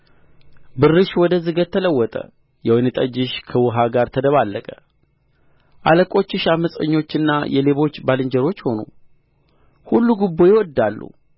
ብርሽ ወደ ዝገት ተለወጠ የወይን ጠጅሽ ከውሃ ጋር ተደባለቀ አለቆችሽ አመጸኞችና የሌቦች ባልንጀሮች ሆኑ ሁሉ ጉቦ ይወድዳሉ